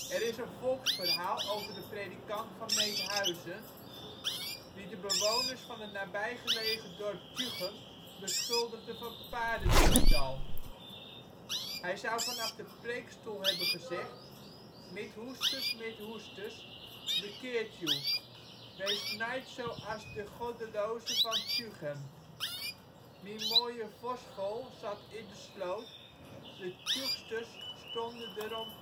Er is een volksverhaal over de predikant van Meedhuizen, die de bewoners van het nabijgelegen dorp Tjuchem beschuldigde van paardendiefstal. Hij zou vanaf de preekstoel hebben gezegd: Midhoesters, Midhoesters, bekeert joe! Weest nait zo as de gòddelozen van Tjuggem! Mien mooie vòsvool zat in de sloot; de Tjugsters stonden der om